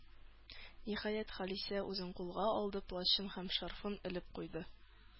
Ниһаять, Халисә үзен кулга алды, плащын һәм шарфын элеп куйды.